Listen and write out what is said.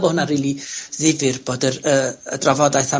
bo' hwnna rili ddifyr bod yr y y drafodaeth am...